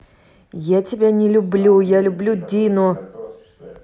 я тебя не люблю я люблю дину